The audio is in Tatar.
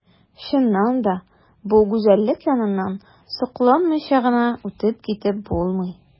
Чыннан да бу гүзәллек яныннан сокланмыйча гына үтеп китеп булмый.